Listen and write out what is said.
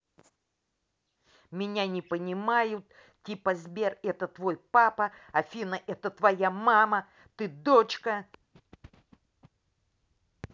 меня не понимают типа сбер это твой папа афина это твоя мама ты дочка